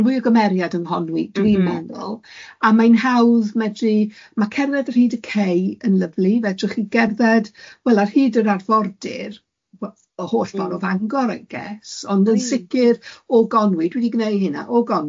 mwy o gymeriad yng Nghonwy dwi'n meddwl... M-hm. ...a mae'n hawdd medru, ma cerddad ar hyd y cei yn lyfli, fedrwch chi gerdded wel ar hyd yr arfordir y holl ffordd o Fangor i guess, ond yn sicir o Gonwy, dwi di gneud hunna, o Gonwy